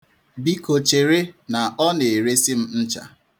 Biko chere na ọ na-eresi m ncha.